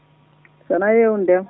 so wonaa yewnude ma